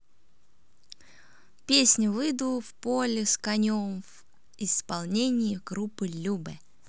песня выйду в поле с конем в исполнении группы любэ